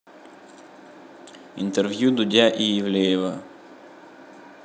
интервью дудя и ивлеева